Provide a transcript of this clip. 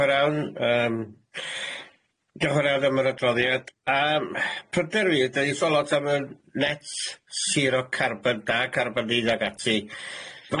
Ie dioch yn rownd yym dioch yn rownd am yr adroddiad a yym pryder fi ydyn ni'n sôn lot am y net siro carbon da carbon dydd ag ati.